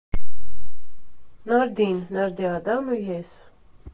Նարդին, Նարդիադան ու ես։